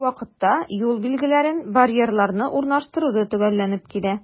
Бер үк вакытта, юл билгеләрен, барьерларны урнаштыру да төгәлләнеп килә.